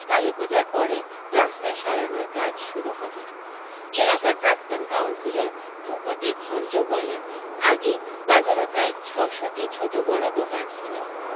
কালীপুজার পরে রাস্তা সারানোর কাজ শুরু হবে এলাকার প্রাক্তন কাউন্সিলর ভূপতি ভঞ্জ বলেন আগে বাজারে প্রায় ছশোটি ছোটবড় দোকান ছিল